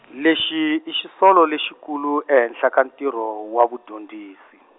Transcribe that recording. lexi i xisolo lexikulu ehenhla ka ntirho wa vudyondzisi.